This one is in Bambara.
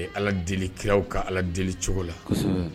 Ye ala deli kiraw ka ala deli cogo la